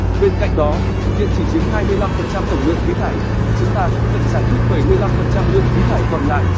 bên cạnh đó điện chỉ chiếm phần trăm tổng lượng khí thải chúng ta cũng cần giải quyết phần trăm lượng khí thải còn lại